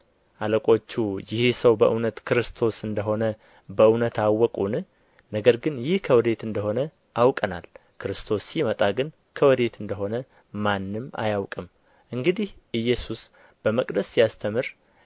አለቆቹ ይህ ሰው በእውነት ክርስቶስ እንደ ሆነ በእውነት አወቁን ነገር ግን ይህን ከወዴት እንደ ሆነ አውቀናል ክርስቶስ ሲመጣ ግን ከወዴት እንደ ሆነ ማንም አያውቅም እንግዲህ ኢየሱስ በመቅደስ ሲያስተምር